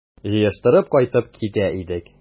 Җыештырып кайтып китә идек...